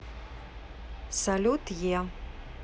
салют е